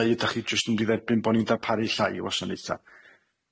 Neu ydach chi jyst yn mynd i dderbyn bo' ni'n darparu llai i wasanaetha?